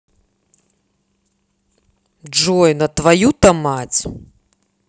джой на твою то мать